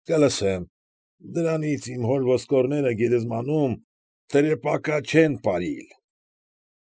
Կլսեմ։ Դրանից իմ հոր ոսկորները գերեզմանում տրեպակա չեն պարիլ։